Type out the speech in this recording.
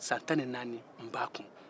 n e san tan ni naani kɛ a kun